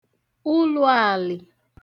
uluaalị